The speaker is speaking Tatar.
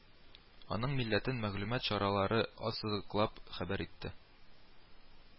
Аның милләтен мәгълүмат чаралары ассызыклап хәбәр итте